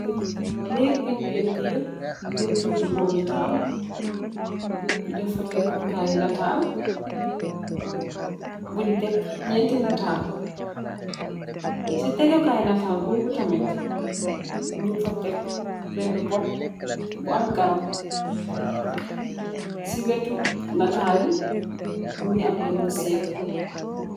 Nëëk buñg peentiir peentir bu döom i,taal, ñu def fa, teggu kaay i nataal buñg tek ñeenti nataal. Si teggu kaay i nataal boobu nak, ñung fa Tek, beenë pot bu am garab. Si wéttu nataal yi, mu ngi am beenë séétu.